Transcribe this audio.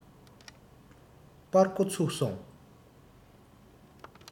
པར སྒོ ཚུགས སོང